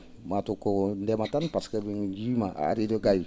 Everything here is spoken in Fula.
maa taw ko ndema tan par ce que min njiyii ma a arino gay